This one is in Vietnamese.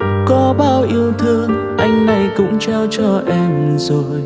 có bao yêu thương anh này cũng trao cho em rồi